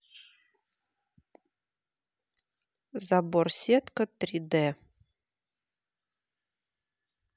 забор сетка три д